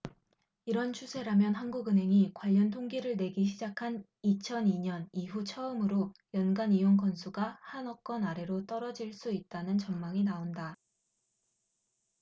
이런 추세라면 한국은행이 관련통계를 내기 시작한 이천 이 년 이후 처음으로 연간 이용 건수가 한 억건 아래로 떨어질 수 있다는 전망이 나온다